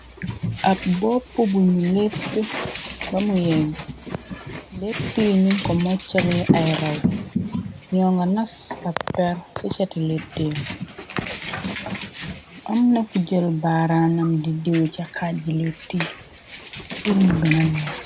Ab boppu bu ñu lett bamu yegg letti i ñun ko moccale ay raw ñoo nga nas ab per sa cati lette am naku jël baaranam diddiwu ca xajji letti burumu gëna leer.